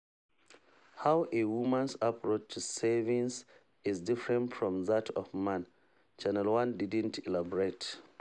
How a woman’s approach to savings is different from that of a man, Channel One didn’t elaborate.